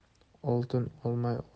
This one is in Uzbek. oltin olmay odob